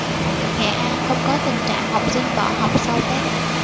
nghệ an không có tình trạng học sinh bỏ học sau tết